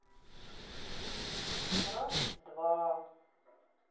мразь два